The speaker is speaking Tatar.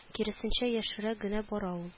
Киресенчә яшәрә генә бара ул